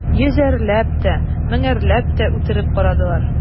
Йөзәрләп тә, меңәрләп тә үтереп карадылар.